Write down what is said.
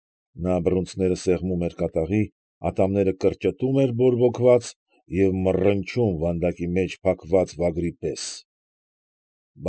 Նա բռունցքները սեղմում էր կատաղի, ատամները կրճտում էր բորբոքված և մռնչում վանդակի մեջ փակված վագրի պես։